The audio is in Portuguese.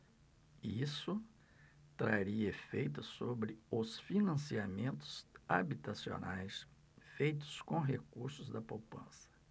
isso traria efeitos sobre os financiamentos habitacionais feitos com recursos da poupança